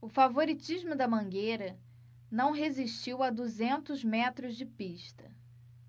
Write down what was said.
o favoritismo da mangueira não resistiu a duzentos metros de pista